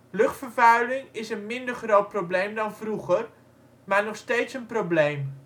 Luchtvervuiling is een minder groot probleem dan vroeger, maar nog steeds een probleem